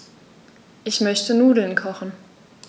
Ich möchte Nudeln kochen.